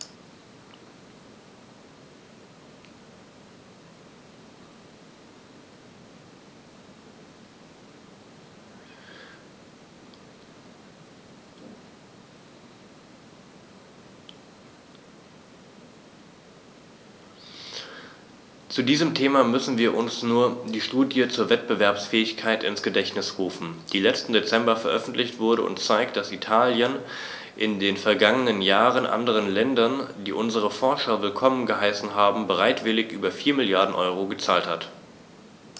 Zu diesem Thema müssen wir uns nur die Studie zur Wettbewerbsfähigkeit ins Gedächtnis rufen, die letzten Dezember veröffentlicht wurde und zeigt, dass Italien in den vergangenen Jahren anderen Ländern, die unsere Forscher willkommen geheißen haben, bereitwillig über 4 Mrd. EUR gezahlt hat.